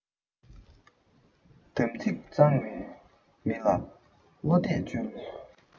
དམ ཚིག གཙང མའི མི ལ བློ གཏད བཅོལ